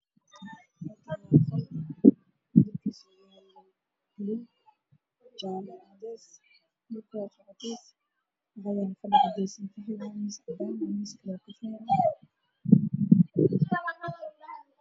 Waa qol waxaa yaalo fadhi ya midabkiisa hay-addaan waana fadhi boqortooyo darbiyada waa buluug miis madow ayaa la